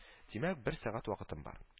Димәк, бер сәгать вакытым бар